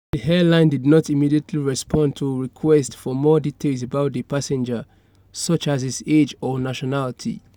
The airline did not immediately respond to requests for more details about the passenger, such as his age or nationality.